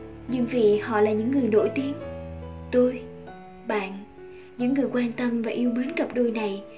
nhưng vì họ là những người nổi tiếng tôi bạn những người quan tâm và yêu mến cặp đôi này